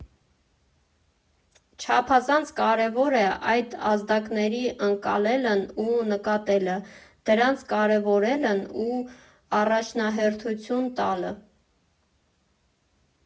Չափազանց կարևոր է այդ ազդակների ընկալելն ու նկատելը, դրանց կարևորելն ու առաջնահերթություն տալը։